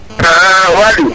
a waly